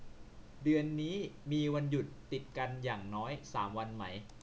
เดือนนี้มีวันหยุดติดกันอย่างน้อยสามวันไหม